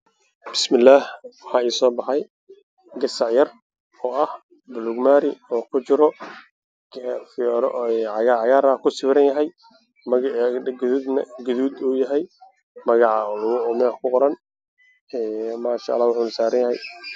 Bismillah waxaa ii muuqdo gaari nin wada oo mooto ah iyo gaas cayaal meel yaalaan oo buluug ah waana sawir xayeysiis ah